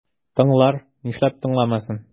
Тыңлар, нишләп тыңламасын?